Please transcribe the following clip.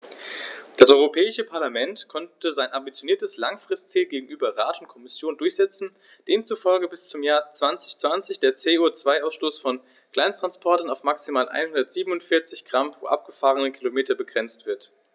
Das Europäische Parlament konnte sein ambitioniertes Langfristziel gegenüber Rat und Kommission durchsetzen, demzufolge bis zum Jahr 2020 der CO2-Ausstoß von Kleinsttransportern auf maximal 147 Gramm pro gefahrenem Kilometer begrenzt wird.